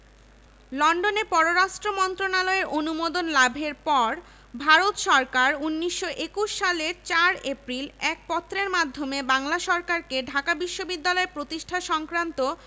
লন্ডনে পররাষ্ট্র মন্ত্রণালয়ের অনুমোদন লাভের পর ভারত সরকার ১৯২১ সালের ৪ এপ্রিল এক পত্রের মাধ্যমে বাংলা সরকারকে ঢাকায় বিশ্ববিদ্যালয় প্রতিষ্ঠা সংক্রান্ত